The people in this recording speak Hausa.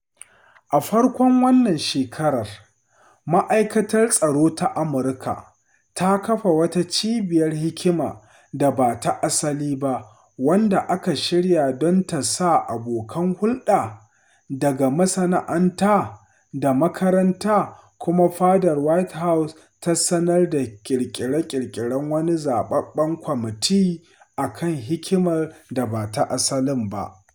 A farkon wannan shekarar Ma’aikatar Tsaro ta Amurka ta kafa wata Cibiyar Hikimar Da Ba Ta Asali Ba, wanda aka shirya don ta sa abokan hulɗa daga masana’anta da makaranta, kuma fadar White House ta sanar da ƙirƙirar wani Zaɓaɓɓen Kwamiti a kan Hikimar da ba ta asali ba.